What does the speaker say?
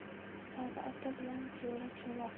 soli ota bilan jo'ra cho'loq